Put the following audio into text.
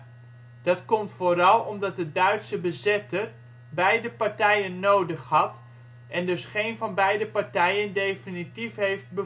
vooral omdat de Duitse bezetter beide partijen nodig had en dus geen van beide partijen definitief heeft